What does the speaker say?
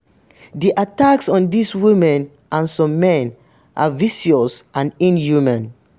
The attacks on these women (and some men) are vicious and inhuman.